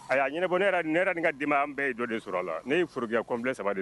A ɲɛnabɔ ne ne yɛrɛ nin ka di ma an bɛɛ ye dɔ de sɔrɔ a la ne ye forojɛya kɔnbilen saba de